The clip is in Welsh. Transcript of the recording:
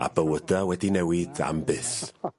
A bywyda wedi newid am byth.